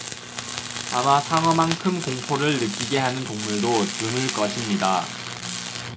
아마 상어만큼 공포를 느끼게 하는 동물도 드물 것입니다